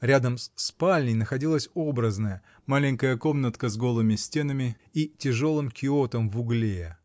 Рядом с спальней находилась образная, маленькая комнатка, с голыми стенами и тяжелым киотом в угле